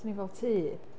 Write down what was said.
So o'n i fel tŷ.